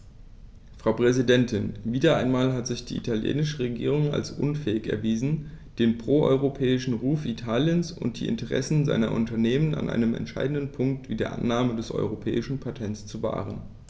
Frau Präsidentin, wieder einmal hat sich die italienische Regierung als unfähig erwiesen, den pro-europäischen Ruf Italiens und die Interessen seiner Unternehmen an einem entscheidenden Punkt wie der Annahme des europäischen Patents zu wahren.